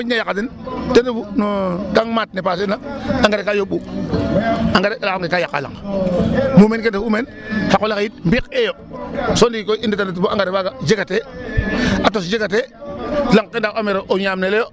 Lanq ke yit Ke moƴna yaqaa den ten refu no tan maak ne passer na engrais ka yooɓu engrais layaxonge ka yaqaa lamq mumeen ke ndef'u meen xa qol axe yit mbiikeeyo so ndiiki koy i ndeta ndet bo engrais faaga jegatee a tos jegatee lanq daaw a meero ñaamneloyo.